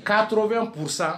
K'a tura bɛ kurusa